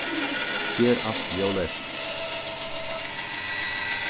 ger alt ljóðleyst